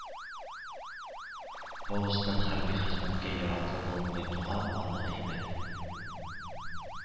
Волостьтан хәрби хезмәткә яраклы булып кайтуга, аны әйбәт